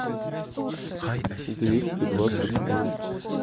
двести двадцать вольт